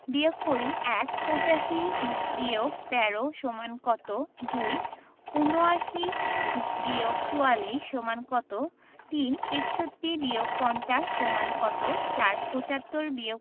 বিয়োগ করিঃ ১ ৮৫-১৩ = কত ২ ৭৯-৪৪ = কত ৩ ৬১-৫০ = কত ৪ ৭৫-